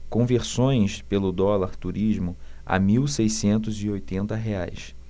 conversões pelo dólar turismo a mil seiscentos e oitenta reais